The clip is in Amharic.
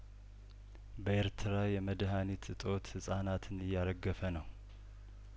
በኤርትራ የመድሀኒት እጦት ህጻናትን እያረገፈ ነው